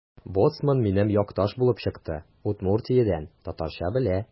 Боцман минем якташ булып чыкты: Удмуртиядән – татарча белә.